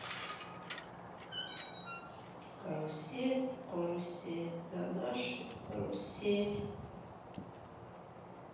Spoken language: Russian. карусель карусель на нашей карусель